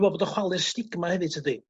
dwi me'l bod o chwali'r stigma hefyd tydi?